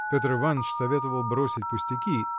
Петр Иваныч советовал бросить пустяки